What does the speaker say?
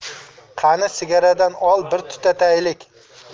qani sigaradan ol bir tutataylik